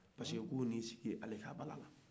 parce que k'o y'i sigi ale ka bala la